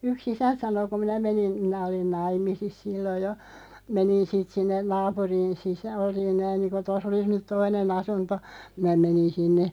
yksi isäntä sanoi kun minä menin minä olin naimisissa silloin jo menin siitä sinne naapuriin - olin näin niin kuin tuossa olisi nyt toinen asunto minä menin sinne